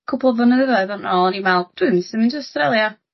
cwpwl flynyddoedd yn ôl o'n i'n me'wl dwi myn' i symud i Australia